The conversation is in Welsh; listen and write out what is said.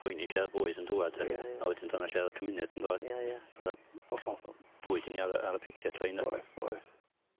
poeni lle o'dd bwyd yn dŵad 'de. Ia ia. A wedyn dyna lle o'dd y cymuned yn dod. Ia ia. Rhodd y... Hollol. ...bwyd i ni ar y ar y picket line a... Oedd oedd.